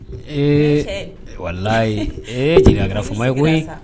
Ee wala ee j kɛra faamama ye koyi